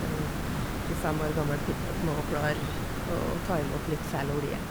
En tjuefem år gammel pickup må jo klare å å ta imot litt feil olje.